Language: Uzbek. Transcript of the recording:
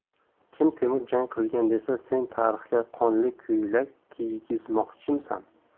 kim temur jang qilgan desa sen tarixga qonli ko'ylak kiygizmoqchimisan